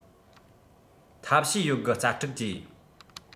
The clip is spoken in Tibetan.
ཐབས ཤེས ཡོད རྒུ རྩལ སྤྲུགས ཀྱིས